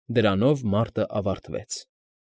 Դրանով մարտն ավարտվեց։